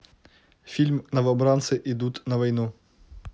фильм новобранцы идут на войну